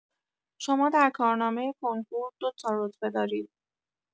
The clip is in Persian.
شما در کارنامه کنکور دو تا رتبه دارید